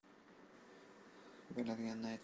bo'ladiganini ayting